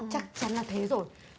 chắc chắn là thế rồi